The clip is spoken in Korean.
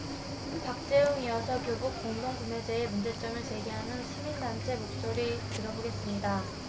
박재홍 이어서 교복공동구매제의 문제점을 제기하는 시민단체 목소리 들어보겠습니다